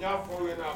N y'a fɔ aw ɲɛna